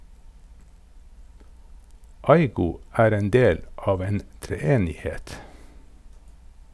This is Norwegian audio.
Aygo er en del av en treenighet.